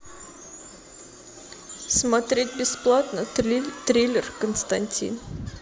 смотреть бесплатно триллер константин